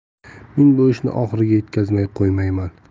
men bu ishni oxiriga yetkazmay qo'ymayman